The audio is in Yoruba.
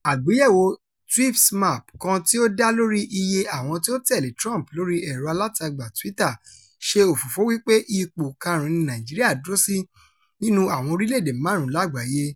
Àgbéyẹ̀wò Tweepsmap kan tí ó dá lóríi iye àwọn tí ó ń tẹ̀lé Trump lóríi ẹ̀rọ alátagbà Twitter ṣe òfófó wípé ipò karùn-ún ni Nàìjíríà dúró sí nínú àwọn orílẹ̀-èdè márùn-ún lágbàáyé: